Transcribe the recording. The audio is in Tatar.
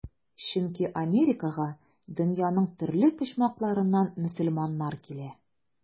Чөнки Америкага дөньяның төрле почмакларыннан мөселманнар килә.